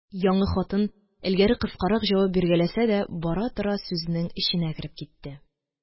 Яңы хатын, элгәре кыскарак җавап биргәләсә дә, бара-тора сүзнең эченә кереп китте.